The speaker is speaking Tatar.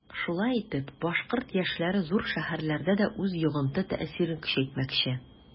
Шулай итеп башкорт яшьләре зур шәһәрләрдә дә үз йогынты-тәэсирен көчәйтмәкче.